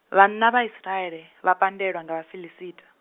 vhanna vha Isiraele vha pandelwa nga Vhafiḽisita.